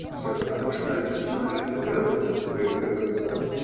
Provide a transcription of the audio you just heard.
А все потому, что один человек сумел "высказаться".